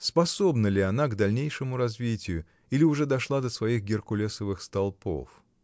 Способна ли она к дальнейшему развитию или уже дошла до своих геркулесовых столпов?